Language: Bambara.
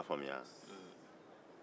i y'a faamuya wa